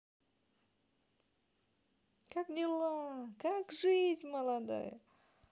как дела как жизнь молодая